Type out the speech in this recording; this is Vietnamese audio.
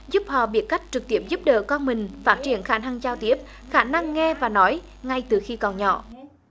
giúp họ biết cách trực tiếp giúp đỡ con mình phát triển khả năng giao tiếp khả năng nghe và nói ngay từ khi còn nhỏ